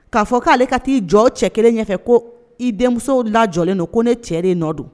K'a fɔ k'ale ka t'i jɔ, o cɛ kelen ɲɛfɛ ko i denmuso lajɔlen don, ko ne cɛ de nɔ don